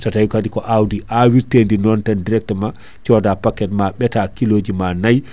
so tawi kaadi ko awdi awirtedi non tan directement cooda paquet ɓeta kiloji ma nayyi